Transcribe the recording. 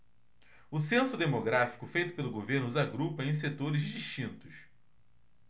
o censo demográfico feito pelo governo os agrupa em setores distintos